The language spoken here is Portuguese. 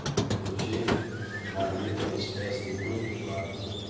pelo jeito marieta é uma espécie de mãe de fato